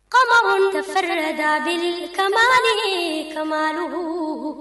Kaba minnu feere da kain kadugu